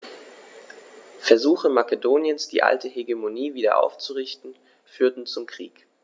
Versuche Makedoniens, die alte Hegemonie wieder aufzurichten, führten zum Krieg.